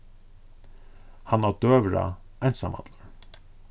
hann át døgurða einsamallur